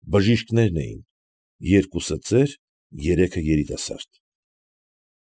Բժիշկներն էին, երկուսը ծեր, երեքը երիտասարդ։